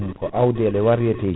ɗum ko awɗele variété ji